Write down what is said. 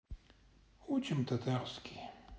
учим татарский